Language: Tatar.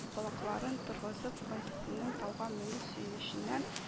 Колакларын торгызып, газизенең тауга менү сөенеченнән